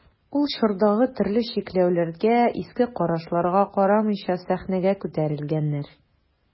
Ул чордагы төрле чикләүләргә, иске карашларга карамыйча сәхнәгә күтәрелгәннәр.